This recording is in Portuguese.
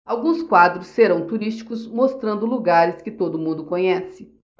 alguns quadros serão turísticos mostrando lugares que todo mundo conhece